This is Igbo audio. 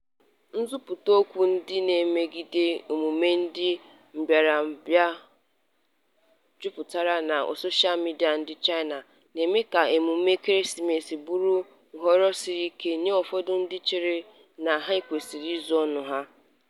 Nkwupụta okwu ndị na-emegide emume ndị mbịarambịa jupụtara na soshal midịa ndị China, na-eme ka emume ekeresimesi bụrụ nhọrọ siri ike nye ụfọdụ ndị chere na ha kwesịrị izo ọṅụ ha.